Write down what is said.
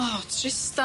Oh Trystan.